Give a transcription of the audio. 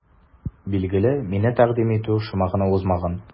Билгеле, мине тәкъдим итү шома гына узмаган.